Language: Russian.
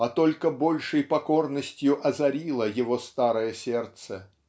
а только большей покорностью озарило его старое сердце.